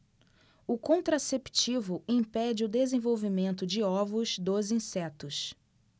o contraceptivo impede o desenvolvimento de ovos dos insetos